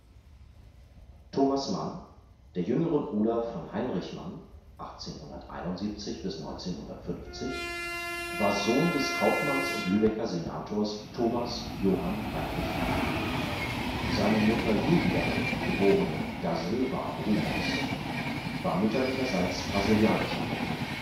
Thomas Mann, der jüngere Bruder von Heinrich Mann (1871 – 1950), war Sohn des Kaufmanns und Lübecker Senators Thomas Johann Heinrich Mann. Seine Mutter Julia (geborene da Silva-Bruhns) war mütterlicherseits brasilianischer Herkunft